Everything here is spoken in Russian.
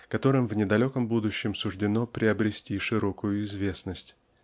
которым в недалеком будущем суждено приобрести широкую известность.